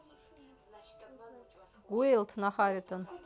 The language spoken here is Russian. guild на харитон